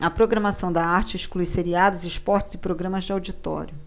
a programação da arte exclui seriados esportes e programas de auditório